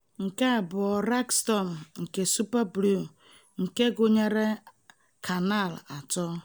2. "Rag Storm" nke Super Blue, nke gụnyere 3 Canal